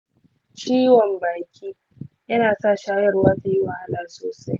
ciwon baki yana sa shayarwa ta yi wahala sosai.